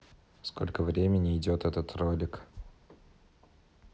сколько времени идет этот ролик